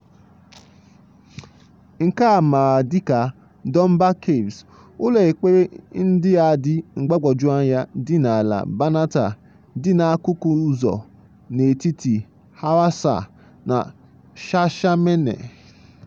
Nke a maara dị ka Dunbar Caves, ụlọ ekpere ndị a dị mgbagwoju anya dị na ala Banatah dị n'akụkụ ụzọ n'etiti Hawassa na Shashamene.